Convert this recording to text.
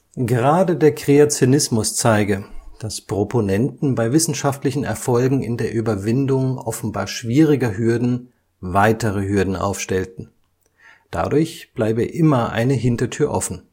Gerade der Kreationismus zeige, dass Proponenten bei wissenschaftlichen Erfolgen in der Überwindung offenbar schwieriger Hürden weitere Hürden aufstellten. Dadurch bleibe immer eine Hintertür offen